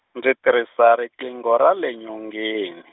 ndzi tirhisa riqingho ra le nyongeni.